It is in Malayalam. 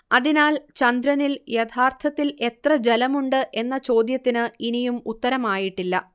അതിനാൽ ചന്ദ്രനിൽ യഥാർത്ഥത്തിൽ എത്ര ജലമുണ്ട് എന്ന ചോദ്യത്തിന് ഇനിയും ഉത്തരമായിട്ടില്ല